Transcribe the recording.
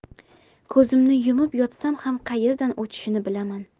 ko'zimni yumib yotsam ham qayerdan o'tishini bilaman